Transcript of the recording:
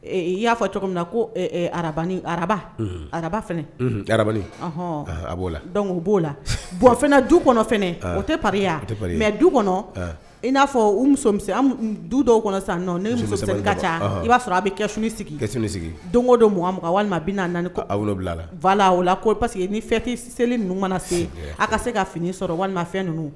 I y'a fɔ cogo min na ko araba araba araba fanahɔn b'o la dɔnku b'o la bɔnfna du kɔnɔ o tɛ pa mɛ du kɔnɔ i n'a fɔ u muso du dɔw kɔnɔ sa ni ka ca i b'a sɔrɔ a bɛ kɛs sigi ka sigi don o donugan ma walima bɛ a la ko paseke ni fɛn tɛ seli ninnu mana se a ka se ka fini sɔrɔ walima fɛn ninnu